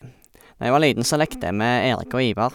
Når jeg var liten, så lekte jeg med Erik og Ivar.